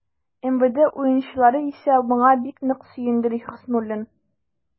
МВД уенчылары исә, моңа бик нык сөенде, ди Хөснуллин.